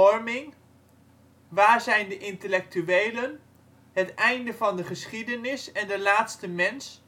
warming, Waar zijn de intellectuelen (Frank Furedi), Het einde van de geschiedenis en de laatste mens